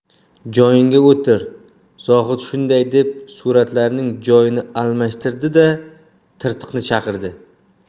joyingga o'tir zohid shunday deb suratlarning joyini almashtirdi da tirtiqni chaqirdi